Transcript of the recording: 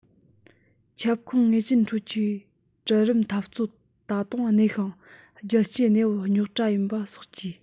ཁྱབ ཁོངས ངེས ཅན ཁྲོད ཀྱི གྲལ རིམ འཐབ རྩོད ད དུང གནས ཤིང རྒྱལ སྤྱིའི གནས བབ རྙོག དྲ ཡིན པ སོགས ཀྱིས